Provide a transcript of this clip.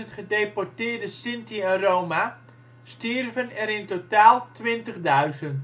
gedeporteerde Sinti en Roma stierven er in totaal 20